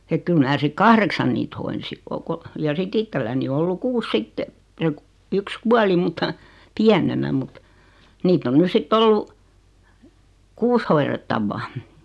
että kyllä minä sitten kahdeksan niitä hoidin -- ja sitten itselläni on ollut kuusi sitten se yksi kuoli minulta pienenä mutta niitä on nyt sitten ollut kuusi hoidettavaa